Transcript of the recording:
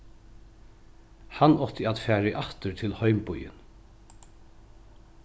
hann átti at farið aftur til heimbýin